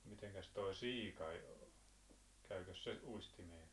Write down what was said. mitenkäs tuo siika käykös se uistimeen